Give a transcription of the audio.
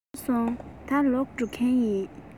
ཚར སོང ད ལོག འགྲོ མཁན ཡིན